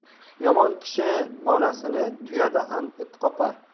yomon kishi bolasin tuyada ham it qopar